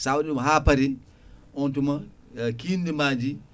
sawaɗi ɗum ha paari on tuman e kindi ma ndi